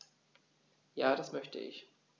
Ja, das möchte ich.